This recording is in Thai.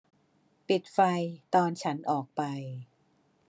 ปิดไฟตอนฉันออกไป